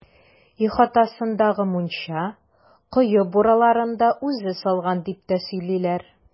Ихатасындагы мунча, кое бураларын да үзе салган, дип тә сөйлиләр.